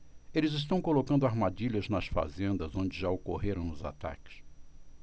eles estão colocando armadilhas nas fazendas onde já ocorreram os ataques